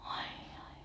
ai ai